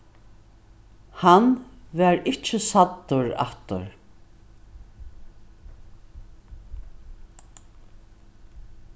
hann varð ikki sæddur aftur